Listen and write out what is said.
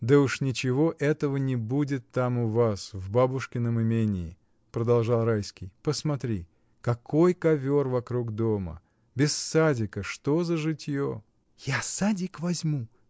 — Да уж ничего этого не будет там у вас, в бабушкином имении, — продолжал Райский. — Посмотри! Какой ковер вокруг дома! Без садика что за житье? — Я садик возьму!